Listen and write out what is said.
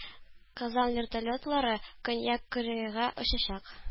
Казан вертолетлары Көньяк Кореяга очачак